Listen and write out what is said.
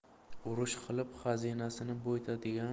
urush qilib xazinasini boyitadigan